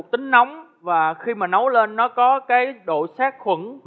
tính nóng và khi mà nấu lên nó có cái độ sát khuẩn